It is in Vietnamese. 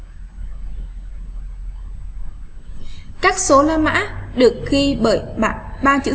các số la mã được khi bởi mạng